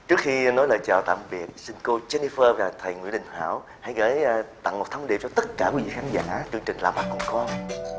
trước khi nói lời chào tạm biệt xin cô den ni phơ và thầy nguyễn đình hảo hãy gửi tặng một thông điệp rất tất cả những khán giả chương trình là bà con